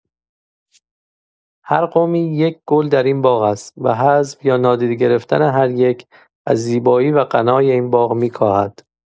هر قومی یک گل در این باغ است و حذف یا نادیده گرفتن هر یک، از زیبایی و غنای این باغ می‌کاهد.